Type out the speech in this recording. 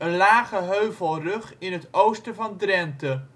lage heuvelrug in het oosten van Drenthe